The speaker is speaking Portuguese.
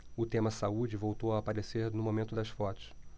o tema saúde voltou a aparecer no momento das fotos